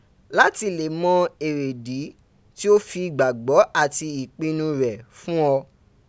láti lè mọ èrèdí tí o fi gbàgbọ́ àti ìpinnu Rẹ̀ fún ọ.